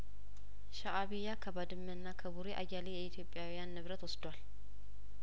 ሻእቢያከባድመና ከቡሬ አያሌ የኢትዮጵያ ንንብረት ወስዷል